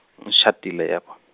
ngishadile yebo.